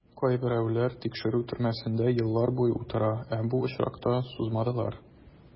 Кайберәүләр тикшерү төрмәсендә еллар буе утыра, ә бу очракта сузмадылар.